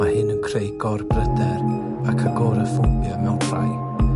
Mae hyn yn creu gorbryder ac agoraffobia mewn rhai.